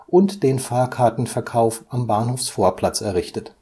und den Fahrkartenverkauf am Bahnhofsvorplatz errichtet